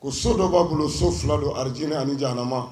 O so dɔ ba bolo. Wo fila don : Alijina ani janama